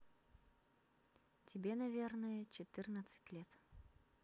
тебе наверное четырнадцать лет